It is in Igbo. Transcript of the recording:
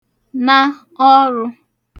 na ọrụ̄